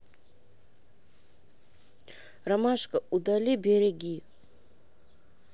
ромашка удали береги